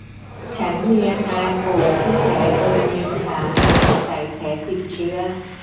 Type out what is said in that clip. ฉันมีอาการปวดที่แผลบริเวณขาสงสัยแผลติดเชื้อ